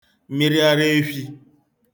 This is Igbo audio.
mmiriaraefhī